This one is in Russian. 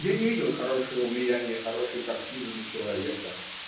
Я не видел хорошего влияния хорошей картины на человека